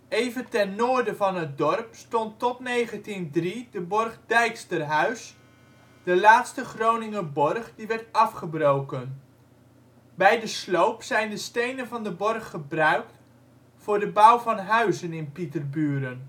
Even ten noorden van het dorp stond tot 1903 de borg Dijksterhuis, de laatste Groninger borg die werd afgebroken. Bij de sloop zijn de stenen van de borg gebruikt voor de bouw van huizen in Pieterburen